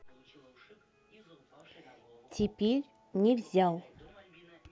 теперь не взял